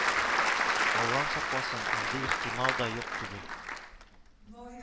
Аллам сакласын, андый ихтимал да юк түгел